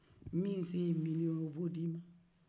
min se ye miliyɔn ye b'o d'i ma